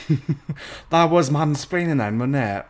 That was mansplaining then, wasn't it?